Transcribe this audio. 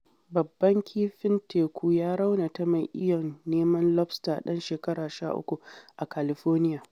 Babban kifin teku ya raunata mai iyon neman lobster ɗan shekaru 13 a California